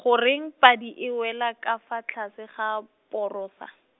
goreng padi e wela ka fa tlase ga, porosa?